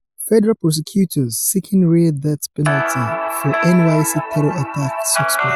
Federal prosecutors seeking rare death penalty for NYC terror attack suspect